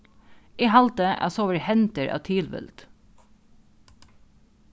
eg haldi at sovorðið hendir av tilvild